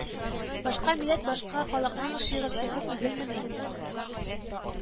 Башка милләт, башка халыкның шигырьчесе түгелмени